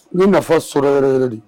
N ye nafa sɔrɔ yɛrɛ yɛrɛ de